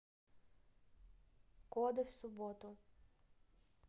коды в субботу